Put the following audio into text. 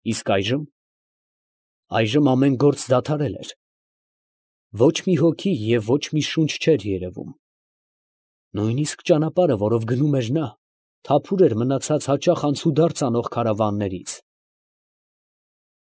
Իսկ այժմ։ ֊ Այժմ ամեն գործ դադարել էր. ոչ մի հոգի և ոչ մի շունչ չէր երևում. նույնիսկ ճանապարհը, որով գնում էր նա, թափուր էր մնացած հաճախ անցուդարձ անող քարավաններից։